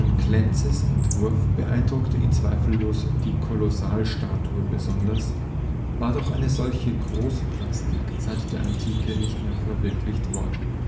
Klenzes Entwurf beeindruckte ihn zweifellos die Kolossalstatue besonders, war doch eine solche Großplastik seit der Antike nicht mehr verwirklicht worden